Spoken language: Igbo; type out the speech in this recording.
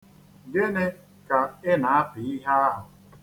Gịnị ka ị na-apị ihe ahụ?